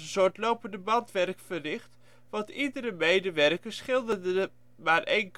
soort lopendebandwerk verricht, want iedere medewerker schilderde maar